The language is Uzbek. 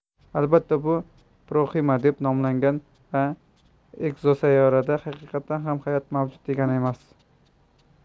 albatta bu proxima deb nomlangan bu ekzosayyorada haqiqatan ham hayot mavjud degani emas